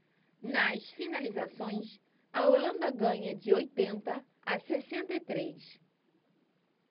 nas finalizações a holanda ganha de oitenta a sessenta e três